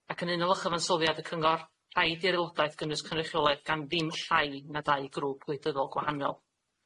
ac yn unol â chyfansoddiad y cyngor rhaid i'r aelodaeth gynnwys cynrychiolaeth gan ddim llai na dau grŵp gwleidyddol gwahanol.